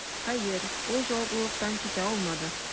Хәер, ул җаваплылыктан китә алмады: